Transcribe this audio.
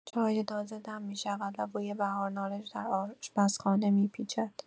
چای تازه دم می‌شود و بوی بهارنارنج در آشپزخانه می‌پیچد.